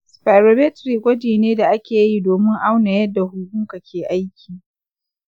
spirometry gwaji ne da ake yi domin auna yadda huhunka ke aiki.